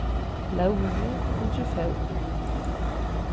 lóðrið fylgir fóðri